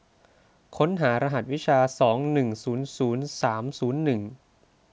ค้นหารหัสวิชาสองหนึ่งศูนย์ศูนย์สามศูนย์หนึ่ง